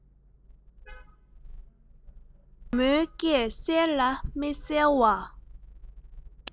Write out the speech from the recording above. འཇོལ མོའི སྐད གསལ ལ མི གསལ བ